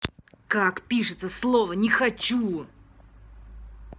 как пишется слово не хочу